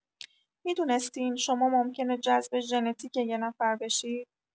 می‌دونستین شما ممکنه جذب ژنتیک یه نفر بشید؟